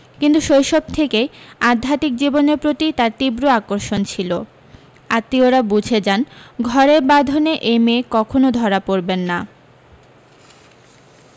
কিন্তু শৈশব থেকেই আধ্যাত্মিক জীবনের প্রতি তাঁর তীব্র আকর্ষণ ছিল আত্মীয়রা বুঝে যান ঘরের বাঁধনে এই মেয়ে কখনো ধরা পড়বেন না